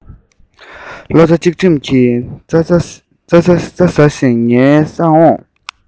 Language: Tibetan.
བློ རྩེ གཅིག སྒྲིམ གྱིས རྩྭ ཟ བཞིན ངའི སར འོང